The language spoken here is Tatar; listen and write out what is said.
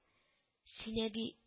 — син, әби